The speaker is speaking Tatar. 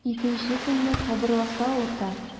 Икенче көнне кабыргасы авырта.